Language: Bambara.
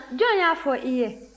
jɔn y'a fɔ i ye